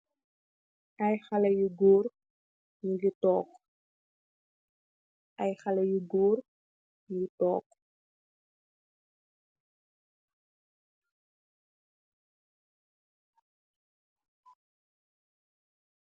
Ayyi haleh yuu goor nyewgeih tokk.